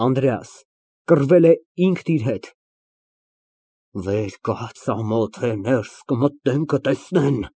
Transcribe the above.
ԱՆԴՐԵԱՍ ֊ (Կռվել է ինքն իր հետ) Վեր կաց, ամոթ է, ներս կմտնեն, կտեսնեն։